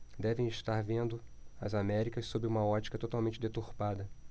devem estar vendo as américas sob uma ótica totalmente deturpada